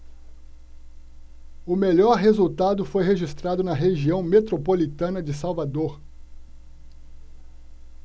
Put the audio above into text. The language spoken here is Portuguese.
o melhor resultado foi registrado na região metropolitana de salvador